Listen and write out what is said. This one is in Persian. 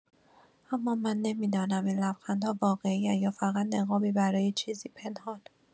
اما من نمی‌دانم این لبخندها واقعی‌اند یا فقط نقابی برای چیزی پنهان.